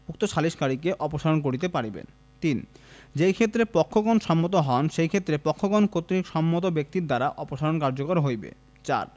উক্ত সালিসকারীকে অপসারণ করিতে পারিবেন ৩ যেই ক্ষেত্রে পক্ষগণ সম্মত হন সেই ক্ষেত্রে পক্ষগণ কর্তৃক সম্মত ব্যক্তির দ্বারা অপসারণ কার্যকর হইবে ৪